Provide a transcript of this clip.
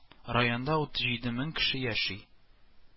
Районда утыз җиде мең кеше яши